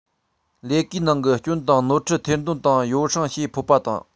ལས ཀའི ནང གི སྐྱོན དང ནོར འཁྲུལ ཐེར འདོན དང ཡོ བསྲང བྱེད ཕོད པ དང